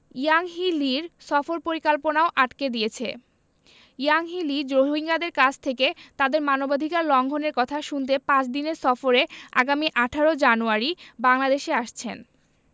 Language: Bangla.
ইয়াংহি লির সফর পরিকল্পনাও আটকে দিয়েছে ইয়াংহি লি রোহিঙ্গাদের কাছ থেকে তাদের মানবাধিকার লঙ্ঘনের কথা শুনতে পাঁচ দিনের সফরে আগামী ১৮ জানুয়ারি বাংলাদেশে আসছেন